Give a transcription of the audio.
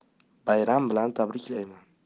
bayram bilan tabriklayman